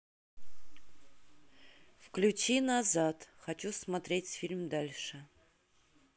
включи назад хочу смотреть фильм дальше